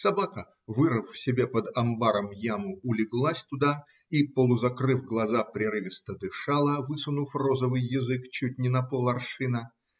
собака, вырыв себе под амбаром яму, улеглась туда и, полузакрыв глаза, прерывисто дышала, высунув розовый язык чуть не на пол-аршина